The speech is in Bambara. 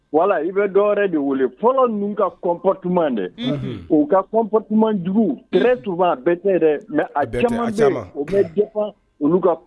Wala i bɛ dɔwɛrɛ de wele fɔlɔ ninnu ka kɔnptu dɛ u ka kɔnpt jugu kɛlɛ tun a bɛɛ tɛ yɛrɛ mɛ a u olu ka